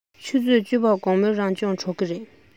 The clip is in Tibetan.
ཆུ ཚོད བཅུ པར དགོང མོའི རང སྦྱོང གྲོལ གྱི རེད